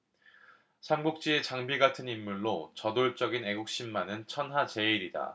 삼국지의 장비 같은 인물로 저돌적인 애국심만은 천하제일이다